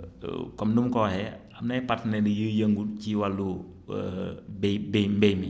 comme num ko waxee am na ay partenaires yuy yëngu ci wàllu bay bay mbay mi